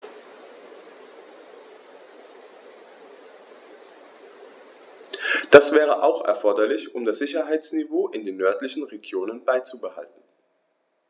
Das wäre auch erforderlich, um das Sicherheitsniveau in den nördlichen Regionen beizubehalten.